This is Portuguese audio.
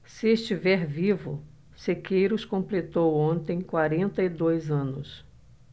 se estiver vivo sequeiros completou ontem quarenta e dois anos